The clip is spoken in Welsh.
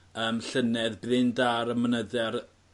yym llynedd bydd e'n da ar y mynydde ar y